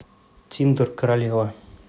тиндер королева